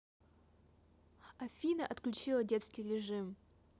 афина отключи детский режим